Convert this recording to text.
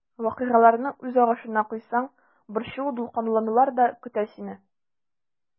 Вакыйгаларны үз агышына куйсаң, борчылу-дулкынланулар да көтә сине.